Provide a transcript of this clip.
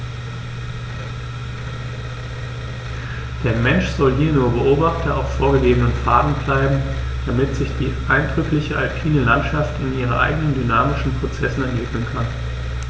Der Mensch soll hier nur Beobachter auf vorgegebenen Pfaden bleiben, damit sich die eindrückliche alpine Landschaft in ihren eigenen dynamischen Prozessen entwickeln kann.